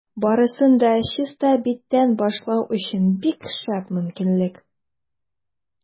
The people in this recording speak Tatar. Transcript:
Барысын да чиста биттән башлау өчен бик шәп мөмкинлек.